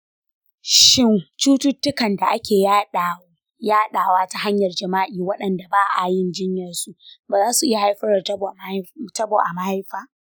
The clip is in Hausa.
shin cututtukan da ake yaɗawa ta hanyar jima'i waɗanda ba a yi jiyyar su ba za su iya haifar da tabo a mahaifa?